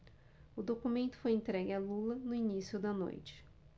o documento foi entregue a lula no início da noite